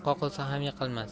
qoqilsa ham yiqilmas